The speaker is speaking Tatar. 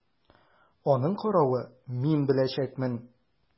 Аның каравы, мин беләчәкмен!